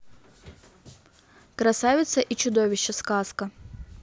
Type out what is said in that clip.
красавица и чудовище сказка